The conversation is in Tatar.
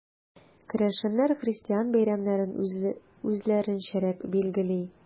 Керәшеннәр христиан бәйрәмнәрен үзләренчәрәк билгели.